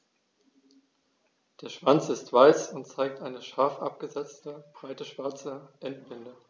Der Schwanz ist weiß und zeigt eine scharf abgesetzte, breite schwarze Endbinde.